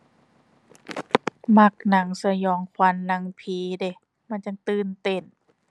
มักหนังสยองขวัญ หนังผีเดะ มันจั่งตื่นเต้น